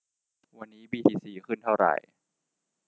วันนี้บีทีซีขึ้นเท่าไหร่